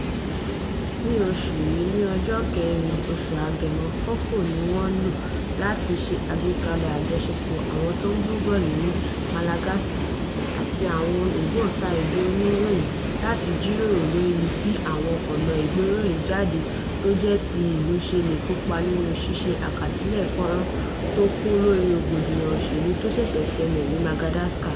Nínú oṣù yìí (ní July 4th) FOKO ni wọ́n lò láti ṣe àgbékalẹ̀ àpéjọpọ̀ àwọn tó ń búlọọ̀gù ní Malagasy àti àwọn ògbóntarigì onìroyìn láti jíròrò lórí bí àwọn ọ̀nà ìgbéròyìn jáde tó jẹ̀ ti ìlú ṣe lè kópa nínu ṣíṣe àkásilẹ̀ fọ́nran tó kún lóri rógbòdìyàn òṣèlú tó ṣẹ̀ṣẹ̀ ṣẹlẹ ní Madagascar.